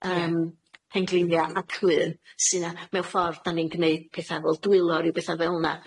Yym penglinia a clun sy 'na. Mewn ffordd 'dan ni'n gneud petha fel dwylo a ryw betha fel 'na